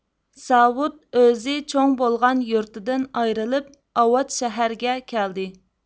ساۋۇت ئۆزى چوڭ بولغان يۇرتىدىن ئايرىلىپ ئاۋات شەھەرگە كەلدى